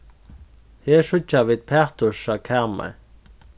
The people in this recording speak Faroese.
her síggja vit pætursa kamar